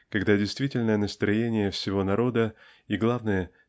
когда действительное настроение всего народа и главное